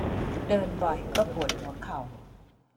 เดินบ่อยก็ปวดหัวเข่า